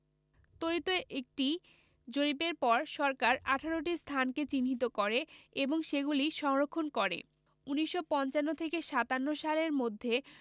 তরিত একটি জরিপের পর সরকার ১৮টি স্থানকে চিহ্নিত করে এবং সেগুলি সংরক্ষণ করে ১৯৫৫ থেকে ১৯৫৭ সালের মধ্যে